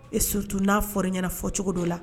Et surtout n'a fɔra i ɲɛna fɔcogo dɔ la